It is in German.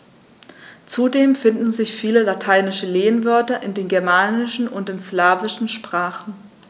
Zudem finden sich viele lateinische Lehnwörter in den germanischen und den slawischen Sprachen.